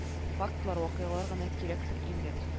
Фактлар вакыйгалар гына кирәктер инде